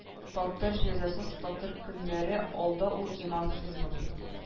Татыр җәзасыз татыр көннәре алда ул имансызның